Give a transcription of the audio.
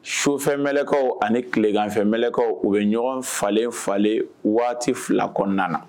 Sofɛn mɛlɛkaw ani tilekanganfɛn mɛlɛkaw u bɛ ɲɔgɔn falenle falenle waati fila kɔnɔna na